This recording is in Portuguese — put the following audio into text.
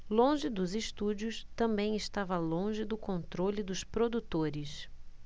longe dos estúdios também estava longe do controle dos produtores